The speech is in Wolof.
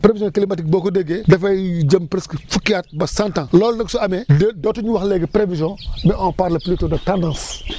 prévision climatique boo ko déggee dafay jëm presque fukki at ba cent ans loolu nag su amee déet dootuñu wax léegi prévision mais on parle plutôt de tendance